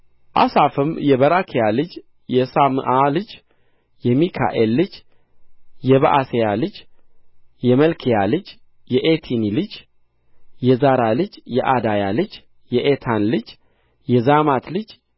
አሳፍም የበራክያ ልጅ የሳምዓ ልጅ የሚካኤል ልጅ የበዓሤያ ልጅ የመልክያ ልጅ የኤትኒ ልጅ የዛራ ልጅ የዓዳያ ልጅ የኤታን ልጅ የዛማት ልጅ